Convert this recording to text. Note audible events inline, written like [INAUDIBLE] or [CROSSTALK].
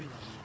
[HESITATION] [HESITATION]